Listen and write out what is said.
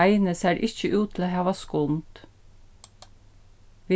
heini sær ikki út til at hava skund